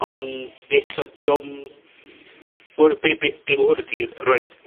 Ond, eto, 'di o'm, wy- be' be' be' ma' hwn ydi, roid